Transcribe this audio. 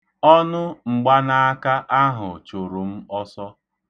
Ọnụ mgbanaaka ahụ chụrụ m ọsọ.